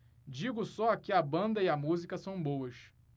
digo só que a banda e a música são boas